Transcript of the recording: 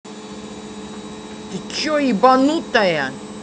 ты что ебанутая